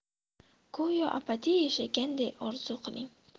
go'yo abadiy yashaganday orzu qiling